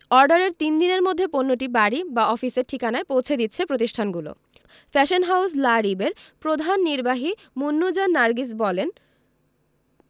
অর্ডারের তিন দিনের মধ্যে পণ্যটি বাড়ি বা অফিসের ঠিকানায় পৌঁছে দিচ্ছে প্রতিষ্ঠানগুলো ফ্যাশন হাউস লা রিবের প্রধান নির্বাহী মুন্নুজান নার্গিস বলেন